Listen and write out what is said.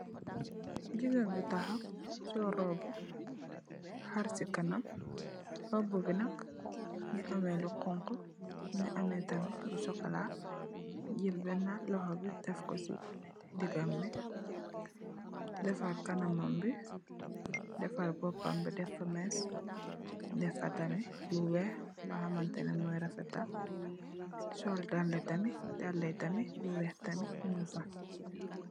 Jigeen bu taxaw sol roba haar si kanam robu bi nak mogi ame lu xonxu mogi ame tamit lu chocola je nak bena lox bi def ko si ndegam bi defar kanambi defar mbobam bi def fa mess defa tamit lu weex lu hamanteneh moi refetal sol daala tamit daala yi tamit lu weex mung fa tamit.